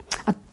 A